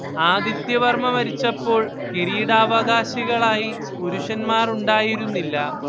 ആദിത്യവർമ്മ മരിച്ചപ്പോൾ കിരീടാവകാശികളായി പുരുഷന്മാർ ഉണ്ടായിരുന്നില്ല